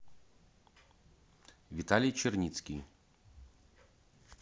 виталий черницкий